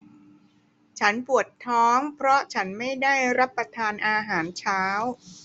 ฉันปวดท้องเพราะฉันไม่ได้รับประทานอาหารเช้า